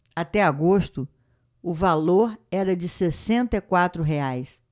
até agosto o valor era de sessenta e quatro reais